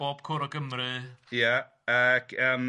...bob cwr o Gymru... Ia ac yym.